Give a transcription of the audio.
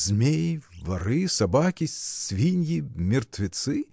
змеи, воры, собаки, свиньи, мертвецы.